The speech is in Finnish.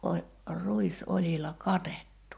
- ruisoljilla katettu